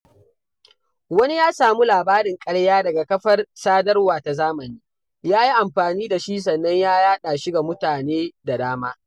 Wani ya samu labarin ƙarya daga kafar sadarwa ta zamani, ya yi amfani da shi sannan ya yaɗa shi ga mutane da dama.